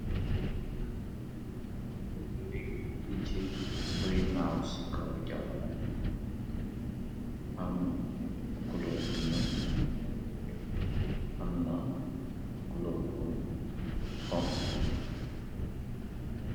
Lii pichii buy naaw si kaw jawla. Am na kulóor bu ñuul, am na kulóor gu xonku.